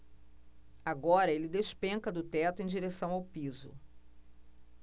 agora ele despenca do teto em direção ao piso